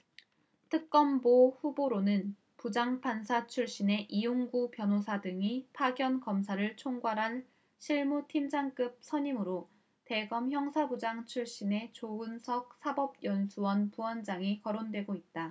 특검보 후보로는 부장판사 출신의 이용구 변호사 등이 파견검사를 총괄할 실무 팀장급 선임으로 대검 형사부장 출신의 조은석 사법연수원 부원장이 거론되고 있다